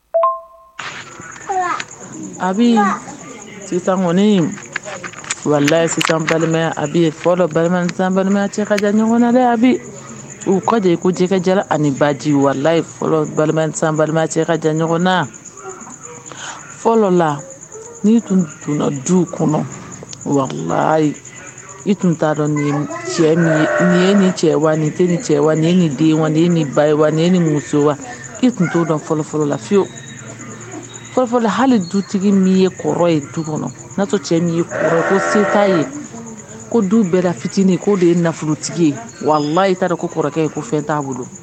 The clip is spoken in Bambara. A sisanɔni wali fɔlɔ balima balima a u kɔ de ye ko jɛgɛja ani baji waliyi balima balima ka ɲɔgɔn fɔlɔla' tun tun du kɔnɔ wa i tun'a dɔn nin cɛ ye ni cɛ ni ni cɛ ni ni den ni ba ni ni wa i tun t'o dɔn fɔlɔfɔlɔla fiyewu fɔlɔ hali dutigi min ye kɔrɔ ye du kɔnɔ n'a cɛ min ye kɔrɔ ko se tta ye ko du bɛɛ fitinin k'o de ye nafolotigi ye wala i taara ko kɔrɔkɛ ye ko fɛn t'a bolo